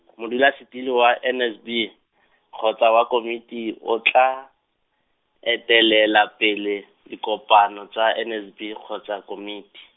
modulasetulo wa N S B, kgotsa wa komiti o tla, etelelapele, dikopano tsa N S B kgotsa komiti.